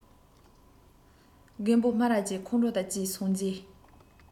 རྒད པོ སྨ ར ཅན ཁོང ཁྲོ དང བཅས སོང རྗེས